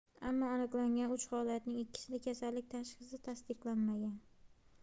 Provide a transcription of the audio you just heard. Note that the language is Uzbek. ammo aniqlangan uch holatning ikkisida kasallik tashxisi tasdiqlanmagan